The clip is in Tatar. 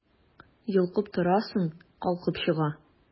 Йолкып торасың, калкып чыга...